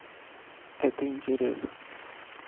это интерес